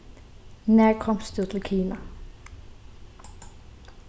nær komst tú til kina